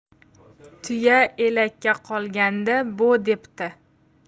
tuya elakka qolganda bo' depti